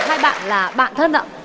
hai bạn là bạn thân ạ